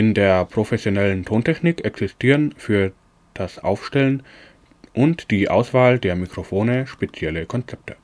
der professionellen Tontechnik existieren für das Aufstellen und die Auswahl der Mikrofone spezielle Konzepte